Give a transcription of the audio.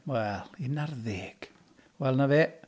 Wel, un ar ddeg. Wel, na fe.